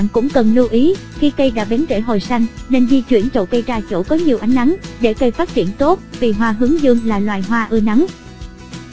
bạn cũng cần lưu ý khi cây đã bén rễ hồi xanh nên di chuyển chậu cây ra chỗ có nhiều ánh nắng để cây phát triển tốt vì hoa hướng dương là loài hoa ưa nắng